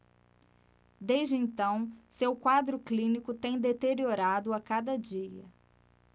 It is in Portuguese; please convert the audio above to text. desde então seu quadro clínico tem deteriorado a cada dia